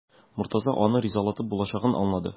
Мортаза аны ризалатып булачагын аңлады.